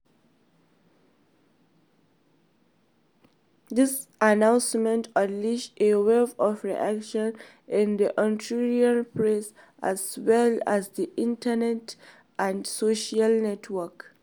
This announcement unleashed a wave of reaction in the Ivorian press as well on the internet and social networks.